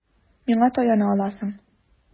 Миңа таяна аласың.